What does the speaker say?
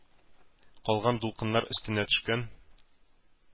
Калган дулкыннар өстенә төшкән